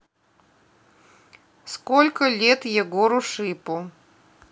сколько лет егору шипу